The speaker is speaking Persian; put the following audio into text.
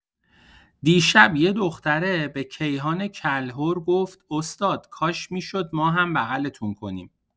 دیشب یه دختره به کیهان کلهر گفت استاد کاش می‌شد ماهم بغلتون کنیم.